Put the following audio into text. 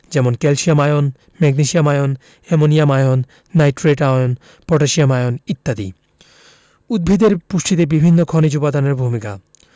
যেমন calcium ion magnesium ion ammonium ion nitrate ion potassium ion ইত্যাদি উদ্ভিদের পুষ্টিতে বিভিন্ন খনিজ উপাদানের ভূমিকা